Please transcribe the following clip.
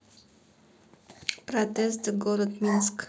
протесты город минск